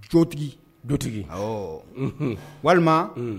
Sotigi dontigi h walima